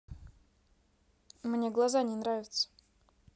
мне глаза не нравятся